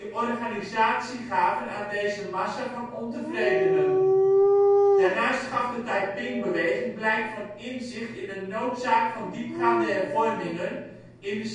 organisatie gaven aan deze massa van ontevredenen. Daarnaast gaf de Taiping-beweging blijk van inzicht in de noodzaak van diepgaande hervormingen in de